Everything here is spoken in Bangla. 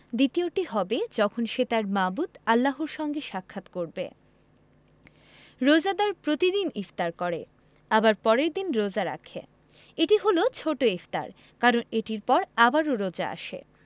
দ্বিতীয়টি হবে যখন সে তাঁর মাবুদ আল্লাহর সঙ্গে সাক্ষাৎ করবে রোজাদার প্রতিদিন ইফতার করে আবার পরের দিন রোজা রাখে এটি হলো ছোট ইফতার কারণ এটির পর আবারও রোজা আসে